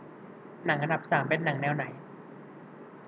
หนังอันดับสามเป็นหนังแนวไหน